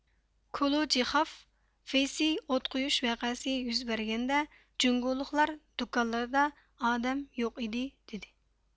كۇلۇجىخاف فېيسىي ئوت قويۇش ۋەقەسى يۈز بەرگەندە جۇڭگولۇقلار دۇكانلىرىدا ئادەم يوق ئىدى دېدى